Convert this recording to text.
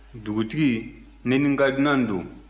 dugutigi ne ni n ka dunan don